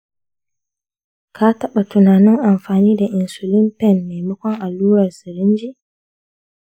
ka taɓa tunanin amfani da insulin pen maimakon allurar sirinji?